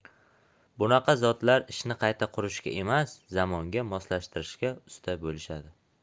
bunaqa zotlar ishni qayta qurishga emas zamonga moslashtirishga usta bo'lishadi